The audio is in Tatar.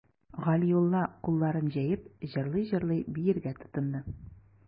Галиулла, кулларын җәеп, җырлый-җырлый биергә тотынды.